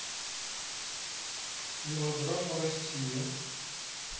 мелодрама россия